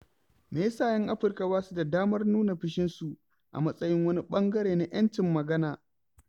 Me ya sa 'yan Afirka ba su da damar nuna fushinsu a matsayin wani ɓangare na 'yancin magana?